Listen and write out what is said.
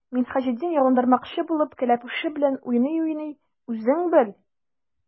Минһаҗетдин, ялындырмакчы булып, кәләпүше белән уйный-уйный:— Үзең бел!